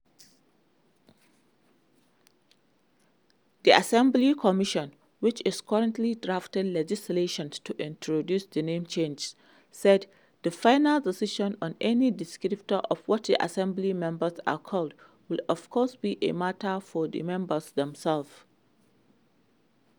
The Assembly Commission, which is currently drafting legislation to introduce the name changes, said: "The final decision on any descriptors of what Assembly Members are called will of course be a matter for the members themselves."